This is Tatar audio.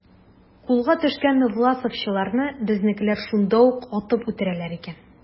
Кулга төшкән власовчыларны безнекеләр шунда ук атып үтерәләр икән.